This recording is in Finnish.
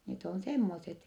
ne on semmoiset